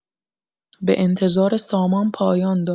به انتظار سامان پایان داد.